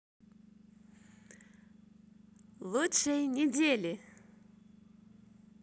лучшей недели